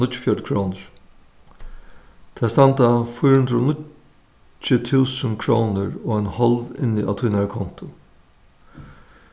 níggjuogfjøruti krónur tað standa fýra hundrað og níggju túsund krónur og ein hálv inni á tínari konto